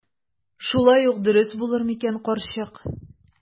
Шулай ук дөрес булыр микән, карчык?